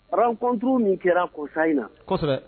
Rencontre min kɛra kɔsan in na kosɛbɛ